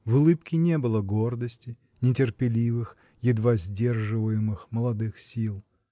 В улыбке не было гордости, нетерпеливых, едва сдерживаемых молодых сил.